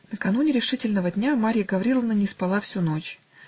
Накануне решительного дня Марья Гавриловна не спала всю ночь